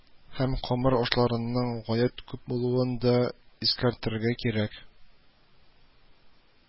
Һәм камыр ашларының гаять күп булуын да искәртергә кирәк